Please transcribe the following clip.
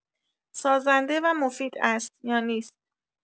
سازنده و مفید است یا نیست.